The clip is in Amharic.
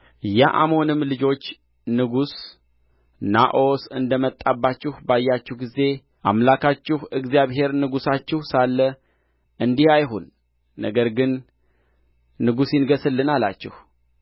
የአሞንም ልጆች ንጉሥ ናዖስ እንደ መጣባችሁ ባያችሁ ጊዜ አምላካችሁ እግዚአብሔር ንጉሣችሁ ሳለ እንዲህ አይሁን ነገር ግን ንጉሥ ይንገሥልን አላችሁኝ